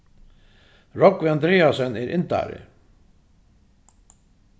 rógvi andreasen er indari